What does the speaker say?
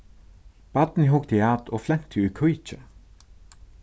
barnið hugdi at og flenti í kíki